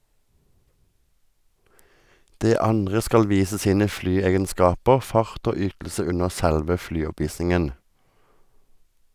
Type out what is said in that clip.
Det andre skal vise sine flyegenskaper, fart og ytelse under selve flyoppvisningen.